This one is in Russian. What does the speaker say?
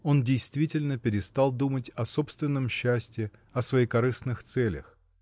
он действительно перестал думать о собственном счастье, о своекорыстных целях.